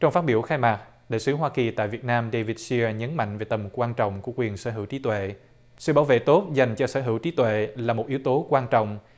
trong phát biểu khai mạc đại sứ hoa kỳ tại việt nam đê vi sia nhấn mạnh về tầm quan trọng của quyền sở hữu trí tuệ sự bảo vệ tốt dành cho sở hữu trí tuệ là một yếu tố quan trọng